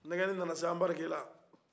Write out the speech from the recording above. nɛgɛni nana se anbarike la